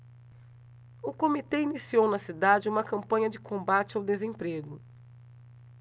o comitê iniciou na cidade uma campanha de combate ao desemprego